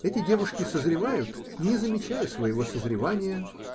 Эти девушки созревают, не замечая своего созревания